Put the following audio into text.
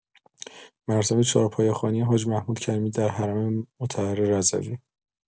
مراسم چهارپایه خوانی حاج محمود کریمی در حرم مطهر رضوی